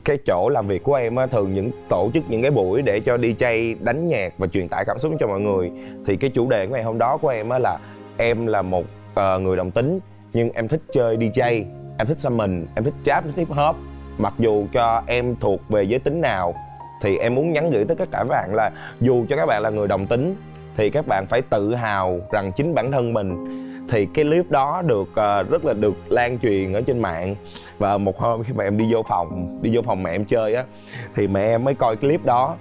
cái chỗ làm việc của em á thường những tổ chức những buổi để cho đi giây đánh nhạc và truyền tải cảm xúc cho mọi người thì các chủ đề của ngày hôm đó của em á là em là một tờ người đồng tính nhưng em thích chơi đi giây em thích xăm mình em thích tráp em thích híp hốp mặc dù cho em thuộc về giới tính nào thì em muốn nhắn gửi tới các bạn là dù cho các bạn là người đồng tính thì các bạn phải tự hào rằng chính bản thân mình thì cái líp đó được rất là được lan truyền ở trên mạng và một hôm khi mà em đi vô phòng đi vô phòng mẹ em chơi á thì mẹ mới coi cái líp đó